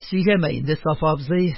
Сөйләмә инде, Сафа абзый,